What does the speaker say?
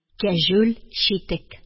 КӘҖҮЛ ЧИТЕК